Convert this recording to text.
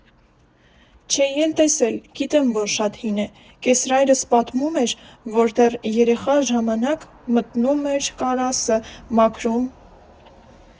Չէի էլ տեսել, գիտեմ, որ շատ հին է, կեսրայրս պատմում էր, որ դեռ երեխա ժամանակ մտնում էր, կարասը մաքրում։